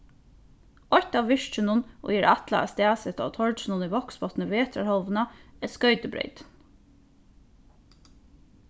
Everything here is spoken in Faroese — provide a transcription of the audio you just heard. eitt av virkjunum ið er ætlað at staðseta á torginum í vágsbotni vetrarhálvuna er skoytubreytin